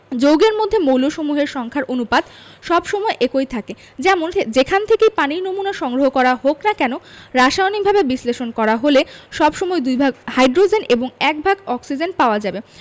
যৌগের মধ্যে মৌলসমূহের সংখ্যার অনুপাত সব সময় একই থাকে যেমন যেখান থেকেই পানির নমুনা সংগ্রহ করা হোক না কেন রাসায়নিকভাবে বিশ্লেষণ করা হলে সব সময় দুই ভাগ হাইড্রোজেন এবং এক ভাগ অক্সিজেন পাওয়া যাবে